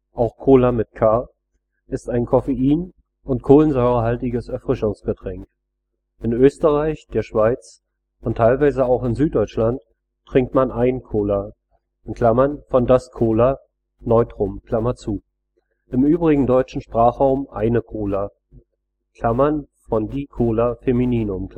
auch Kola, ist ein koffein - und kohlensäurehaltiges Erfrischungsgetränk. In Österreich, der Schweiz und teilweise auch in Süddeutschland trinkt man ein Cola (von das Cola; Neutrum), im übrigen deutschen Sprachraum eine Cola (von die Cola; Femininum